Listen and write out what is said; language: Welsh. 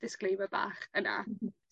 disclaimer bach yna.